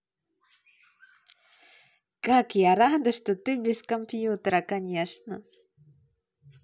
как я рада что ты без компьютера конечно